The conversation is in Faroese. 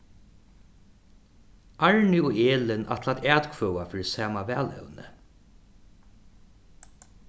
arni og elin ætla at atkvøða fyri sama valevni